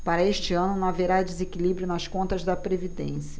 para este ano não haverá desequilíbrio nas contas da previdência